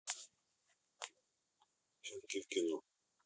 щенки в кино